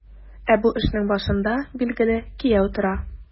Ә бу эшнең башында, билгеле, кияү тора.